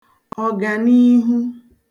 ọ̀gànihu